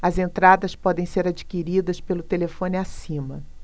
as entradas podem ser adquiridas pelo telefone acima